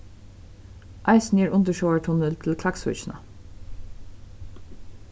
eisini er undirsjóvartunnil til klaksvíkina